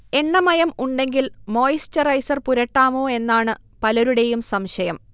എണ്ണമയം ഉണ്ടെങ്കിൽ മോയിസ്ചറൈസർ പുരട്ടാമോ എന്നാണ് പലരുടെയും സംശയം